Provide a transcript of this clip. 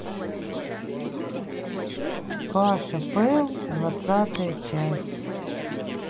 паша пэл двадцатая часть